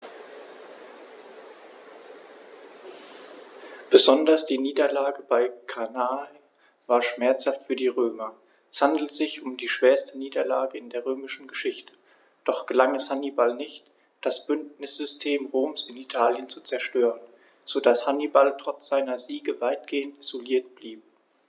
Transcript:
Besonders die Niederlage bei Cannae war schmerzhaft für die Römer: Es handelte sich um die schwerste Niederlage in der römischen Geschichte, doch gelang es Hannibal nicht, das Bündnissystem Roms in Italien zu zerstören, sodass Hannibal trotz seiner Siege weitgehend isoliert blieb.